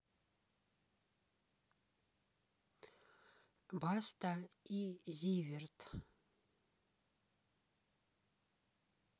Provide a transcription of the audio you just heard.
баста и зиверт